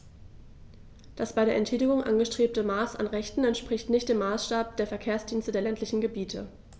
Das bei der Entschädigung angestrebte Maß an Rechten entspricht nicht dem Maßstab der Verkehrsdienste der ländlichen Gebiete.